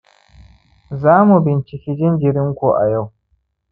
za mu binciki jinjirinku a yau